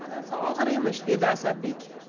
onasi og'ir emish dedi asadbek